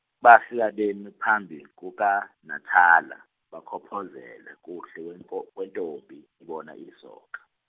bafika bema phambi kukaNatala, bakhophozele kuhle wenko- kwentombi ibona isoka.